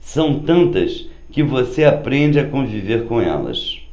são tantas que você aprende a conviver com elas